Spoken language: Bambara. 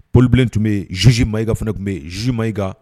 Paul bilen tun bɛ yen juge Mayiga fana tun bɛ yen juge Mayiga